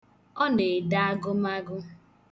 Ọ na-ede agụmagụ.